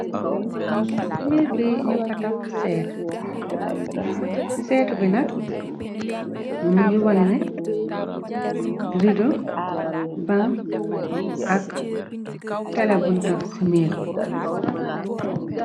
Si miir bi ñë fa taf seet, ci seetu bi nak mu ngi wone ne rido ,ban ak tele bun taf ci miir bi.